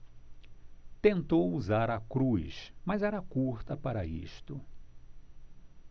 tentou usar a cruz mas era curta para isto